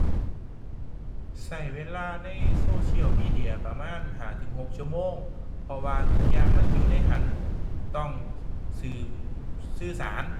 ใช้เวลาใน social media ประมาณห้าถึงหกชั่งโมง เพราะว่าทุกอย่างมันอยู่ในหั้น ต้องสืบ สื่อสาร